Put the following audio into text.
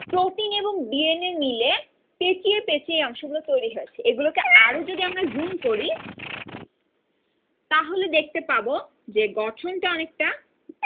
protein এবং DNA মিলে পেঁচিয়ে পেঁচিয়ে এ অংশগুলো তৈরি হয়েছে এগুলোকে আরও যদি জুম করি তাহলে দেখতে পাব যে গঠন টা অনেকটা